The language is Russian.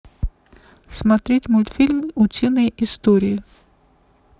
смотреть мультфильм утиные истории